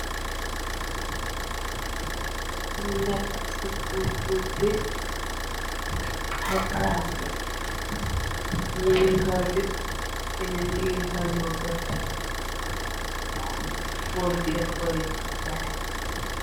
lu nekka ci pus-puus bi y prancla yi yin xoli inani yen xoldewu befora fot ji dax koy jaay